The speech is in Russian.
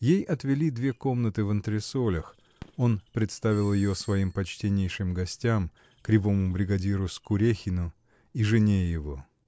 Ей отвели две комнаты в антресолях, он представил ее своим почтеннейшим гостям, кривому бригадиру Скурехииу и жене его